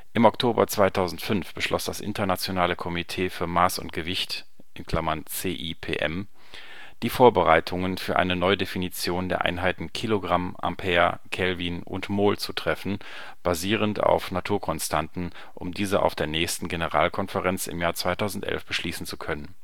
Im Oktober 2005 beschloss das Internationale Komitee für Maß und Gewicht (CIPM) die Vorbereitungen für eine Neudefinition der Einheiten Kilogramm, Ampere, Kelvin und Mol zu treffen, basierend auf Naturkonstanten, um diese auf der nächsten Generalkonferenz im Jahr 2011 beschließen zu können